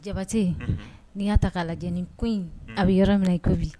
Jabate, unhun, n'i y'a ta k'a lajɛ nin ko in a bɛ yɔrɔ min i ko bi